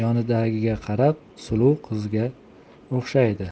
yonidagiga qarab suluv qizga o'xshaydi